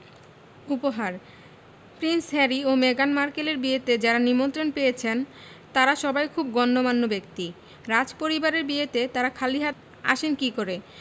উপহার prince Harry ও মেগান মার্কেলের বিয়েতে যাঁরা নিমন্ত্রণ পেয়েছেন তাঁরা সবাই খুব গণ্যমান্য ব্যক্তি রাজপরিবারের বিয়েতে তাঁরা খালি হাত আসেন কী করে